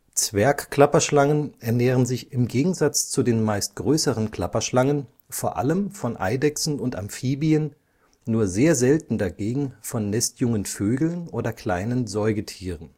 Zwergklapperschlangen ernähren sich im Gegensatz zu den meist größeren Klapperschlangen vor allem von Eidechsen und Amphibien, nur sehr selten dagegen von nestjungen Vögeln oder kleinen Säugetieren